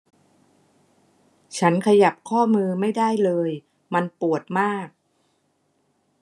ฉันขยับข้อมือไม่ได้เลยมันปวดมาก